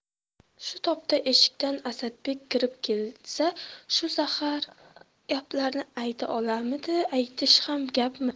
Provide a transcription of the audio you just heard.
shu topda eshikdan asadbek kirib kelsa shu zahar gaplarni ayta olarmidi aytish ham gapmi